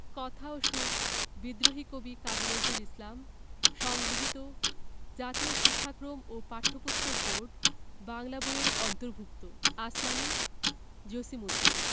কথা ও সুর বিদ্রোহী কবি কাজী নজরুল ইসলাম সংগৃহীত জাতীয় শিক্ষাক্রম ও পাঠ্যপুস্তক বোর্ড বাংলা বই এর অন্তর্ভুক্ত আসমানী জসিমউদ্দিন